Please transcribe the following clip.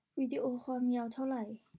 วิดีโอความยาวเท่าไหร่